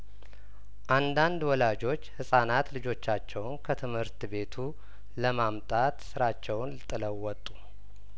አንዳንድ ወላጆች ህጻናት ልጆቻቸውን ከትምህርት ቤቱ ለማምጣት ስራቸውን ጥለው ወጡ